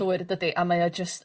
...llwyr dydi a mae o jyst